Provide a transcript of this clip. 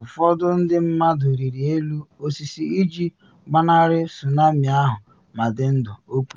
Ụfọdụ ndị mmadụ rịrị elu osisi iji gbanarị tsunami ahụ ma dị ndụ, o kwuru.